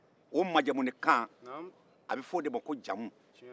o majamunikan a bɛ fɔ o de ma ko jamu